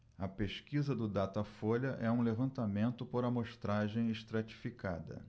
a pesquisa do datafolha é um levantamento por amostragem estratificada